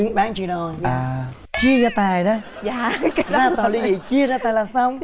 bán chia đôi chia gia tài đó ra tòa li dị chia gia tài là xong